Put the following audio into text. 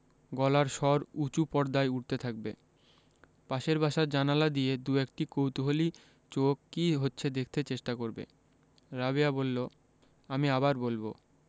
গলার স্বর উচু পর্দায় উঠতে থাকবে পাশের বাসার জানালা দিয়ে দুএকটি কৌতুহলী চোখ কি হচ্ছে দেখতে চেষ্টা করবে রাবেয়া বললো আমি আবার বলবো